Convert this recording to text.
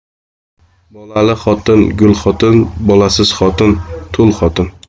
bolali xotin gul xotin bolasiz xotin tul xotin